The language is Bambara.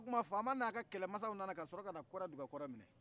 o tuma faama n'a ka kɛlɛmansaw nana ka sɔrɔ ka na kɔrɛdugakɔrɛ